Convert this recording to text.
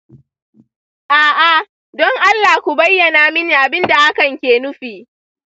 a'a, don allah ku bayyana mini abin da hakan ke nufi.